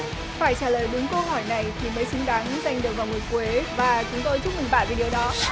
phải trả lời đúng câu hỏi này thì mới xứng đáng giành được vòng nguyệt quế và chúng tôi chúc mừng bạn vì điều